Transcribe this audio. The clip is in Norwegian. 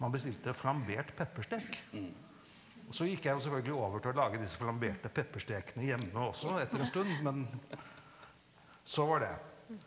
man bestilte flambert pepperstek, og så gikk jeg jo selvfølgelig over til å lage disse flamberte pepperstekene hjemme også etter en stund, men så var det.